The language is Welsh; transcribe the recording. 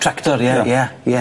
Tractor ie ie ie.